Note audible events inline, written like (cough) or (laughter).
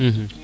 (hesitation) (hesitation)